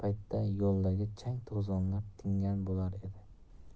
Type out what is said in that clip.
to'zonlar tingan bo'lar edi